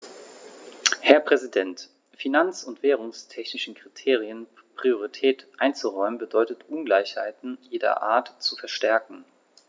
Herr Präsident, finanz- und währungstechnischen Kriterien Priorität einzuräumen, bedeutet Ungleichheiten jeder Art zu verstärken.